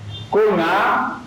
Ko na